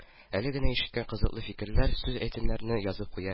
Әле генә ишеткән кызыклы фикерләр, сүз-әйтемнәрне язып куя